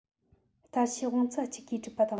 ལྟ བྱེད དབང རྩ གཅིག གིས གྲུབ པ དང